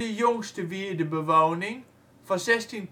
jongste wierdebewoning, 1610-1975